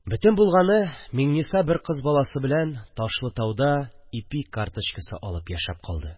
Бөтен булганы – Миңниса бер кыз баласы белән Ташлытауда ипи карточкасы алып яшәп калды